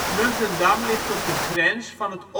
Muntendam ligt op de grens van